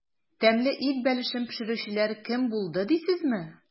Тәмле ит бәлешен пешерүчеләр кем булды дисезме?